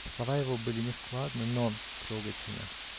Слова его были нескладны, но трогательны.